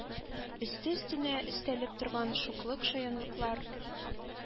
Өсте-өстенә өстәлеп торган шуклык-шаянлыклар,